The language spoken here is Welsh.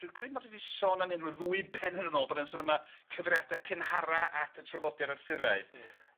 dwi'n credu mod i 'di sôn am 'yn rw ddwy bennod yn ôl bod e'n sôn am y cyfeiriade cynhara at y traddodiad Arthuraidd. Hmm.